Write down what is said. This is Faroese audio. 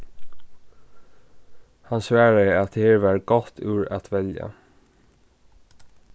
hann svaraði at her var gott úr at velja